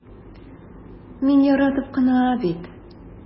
Мин яратып кына бит...